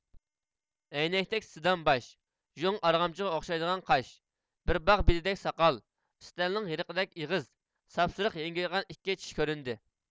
ئەينەكتەك سىدام باش ژۇڭ ئارغامچىغا ئوخشايدىغان قاش بىر باغ بېدىدەك ساقال ئۈستەلنىڭ يېرىقىدەك ئېغىز ساپسېرىق ھىڭگايغان ئىككى چىش كۆرۈندى